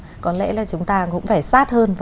có lẽ là chúng ta cũng phải sát hơn